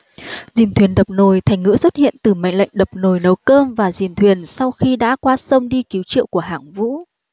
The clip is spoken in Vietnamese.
dìm thuyền đập nồi thành ngữ xuất hiện từ mệnh lệnh đập nồi nấu cơm và dìm thuyền sau khi đã qua sông đi cứu triệu của hạng vũ